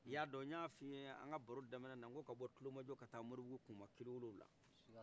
iya dɔn ɲa f'i ɲɛ an ka baro daminɛnna ŋo ka bɔ kulomajɔ ka taa moribugu kuma kilo wolofila